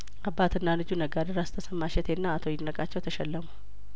አባትና ልጁ ነጋ ድረስ ተሰማ እሸቴና አቶ ይድነቃቸው ተሸለሙ